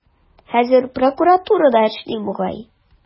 Хәзер прокуратурада эшли бугай.